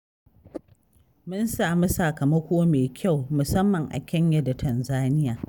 Mun samu sakamako mai kyau, musamman a Kenya da Tanzania.